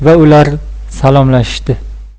va ular salomlashishdi